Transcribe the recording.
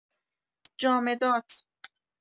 جامدات